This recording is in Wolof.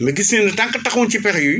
mais gis nañ ne tant que taxawuñ si pexe yooyu